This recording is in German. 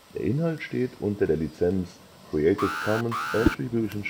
Inhalt steht unter der Lizenz Creative Commons Attribution